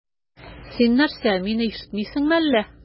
Син нәрсә, мине ишетмисеңме әллә?